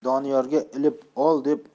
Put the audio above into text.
doniyorga ilib ol